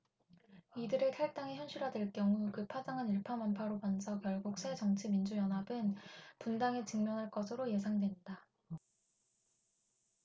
이들의 탈당이 현실화 될 경우 그 파장은 일파만파로 번져 결국 새정치민주연합은 분당에 직면할 것으로 예상된다